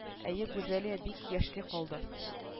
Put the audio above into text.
Әйе гүзәлия бик яшьли калды